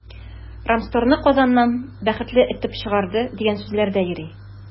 “рамстор”ны казаннан “бәхетле” этеп чыгарды, дигән сүзләр дә йөрде.